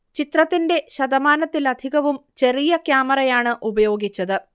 ചിത്രത്തിന്റെ ശതമാനത്തിലധികവും ചെറിയ ക്യാമറയാണ് ഉപയോഗിച്ചത്